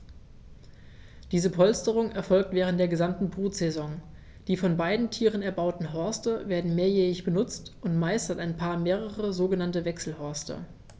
Diese Polsterung erfolgt während der gesamten Brutsaison. Die von beiden Tieren erbauten Horste werden mehrjährig benutzt, und meist hat ein Paar mehrere sogenannte Wechselhorste.